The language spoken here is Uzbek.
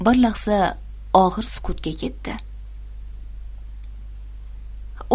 bir lahza og'ir sukutga ketdi